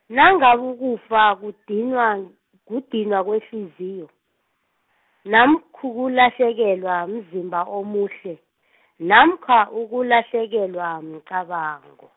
nangabukufa kudinwa, kudinwa kwehliziyo, namkha kulahlekelwa mzimba omuhle , namkha ukulahlekelwa mcabango.